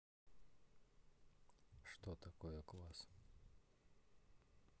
что такое квас